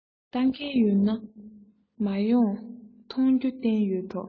ལྟ མཁན ཡོད ན མ ཡོང ན མཐོང རྒྱུ བསྟན ཡོད དོ